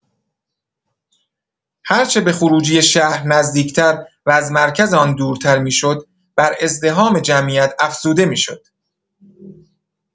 هرچه به خروجی شهر نزدیک‌تر و از مرکز آن دورتر می‌شد، بر ازدحام جمعیت افزوده می‌شد.